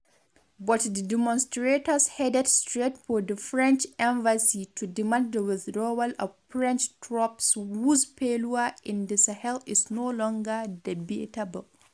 But the demonstrators headed straight for the French Embassy to demand the withdrawal of French troops whose failure in the Sahel is no longer debatable.